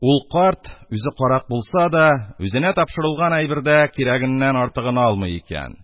Ул карт, үзе карак булса да, үзенә тапшырылган әйбердә кирәгеннән артыгыны алмый икән.